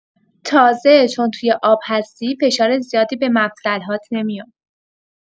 تازه، چون توی آب هستی، فشار زیادی به مفصل‌هات نمیاد.